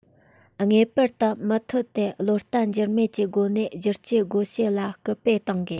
ངེས པར དུ མུ མཐུད དེ བློ བརྟན འགྱུར མེད ཀྱི སྒོ ནས བསྒྱུར བཅོས སྒོ འབྱེད ལ སྐུལ སྤེལ གཏོང དགོས